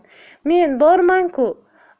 men borman ku